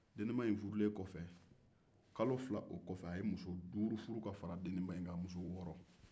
kalo fila deninba in furulen kɔ a ye muso duuru furu o kɔ o y'a muso kɛ wɔɔrɔ ye